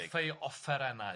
Wrth ei offerennau...